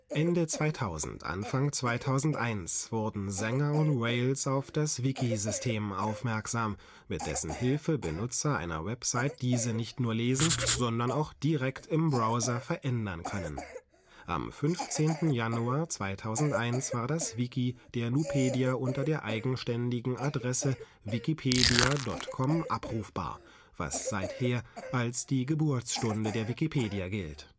Ende 2000/Anfang 2001 wurden Sanger und Wales auf das Wiki-System aufmerksam, mit dessen Hilfe Benutzer einer Website diese nicht nur lesen, sondern auch direkt im Browser verändern können. Am 15. Januar 2001 war das Wiki der Nupedia unter der eigenständigen Adresse wikipedia.com abrufbar, was seither als die Geburtsstunde der Wikipedia gilt